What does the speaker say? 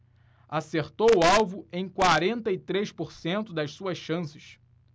acertou o alvo em quarenta e três por cento das suas chances